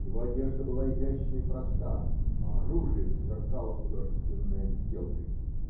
его одежда была изящна и проста, а оружие сверкало художественной отделкой.